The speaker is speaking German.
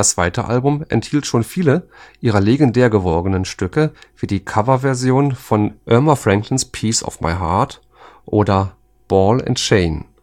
zweite Album enthielt schon viele ihrer legendär gewordenen Stücke wie die Coverversion von Erma Franklins Piece of My Heart oder Ball and Chain